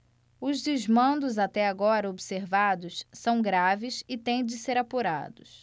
os desmandos até agora observados são graves e têm de ser apurados